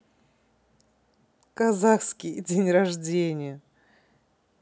казахский день рождения